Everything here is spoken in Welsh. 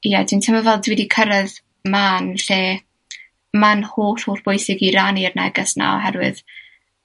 ie, dwi'n teimlo fel dwi 'di cyrredd man lle ma'n holl holl bwysig i rannu'r neges 'na oherwydd